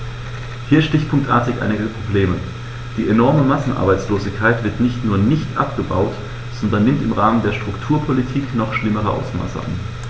Hier stichpunktartig einige Probleme: Die enorme Massenarbeitslosigkeit wird nicht nur nicht abgebaut, sondern nimmt im Rahmen der Strukturpolitik noch schlimmere Ausmaße an.